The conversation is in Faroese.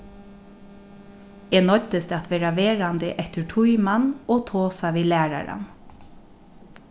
eg noyddist at verða verandi eftir tíman og tosa við læraran